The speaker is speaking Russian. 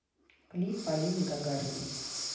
клип полины гагариной